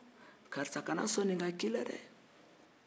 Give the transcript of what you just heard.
karisa kana sɔn ni ka ke i la dɛ